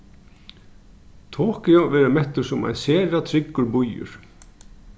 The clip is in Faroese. tokyo verður mettur sum ein sera tryggur býur